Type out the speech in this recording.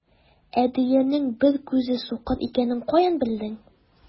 Ә дөянең бер күзе сукыр икәнен каян белдең?